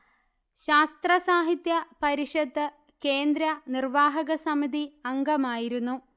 ശാസ്ത്രസാഹിത്യ പരിഷത്ത് കേന്ദ്ര നിർവ്വാഹക സമിതി അംഗമായിരുന്നു